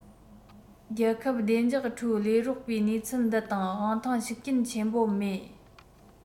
རྒྱལ ཁབ བདེ འཇགས ཁྲུའུ ལས རོགས པའི ནུས ཚད འདི དང དབང ཐང ཤུགས རྐྱེན ཆེན པོ མེད